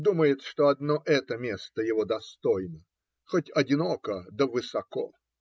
думает что одно это место его достойно: хоть одиноко, да высоко.